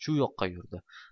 shu yoqqa yurdi